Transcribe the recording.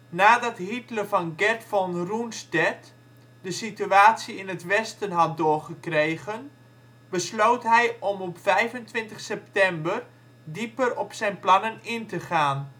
Nadat Hitler van Gerd von Rundstedt de situatie in het westen had doorgekregen, besloot hij om op 25 september dieper op zijn plannen in te gaan